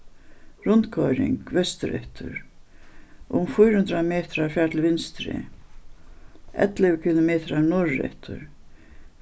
rundkoyring vestureftir um fýra hundrað metrar far til vinstru ellivu kilometrar norðureftir